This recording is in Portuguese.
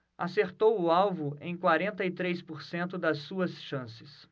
acertou o alvo em quarenta e três por cento das suas chances